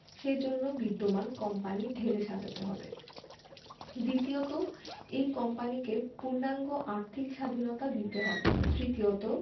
সে জন্য বিদ্যমান কোম্পানি ঢেলে সাজাতে হবে দ্বিতীয়ত এই কোম্পানিকে পূর্ণাঙ্গ আর্থিক স্বাধীনতা দিতে হবে তৃতীয়ত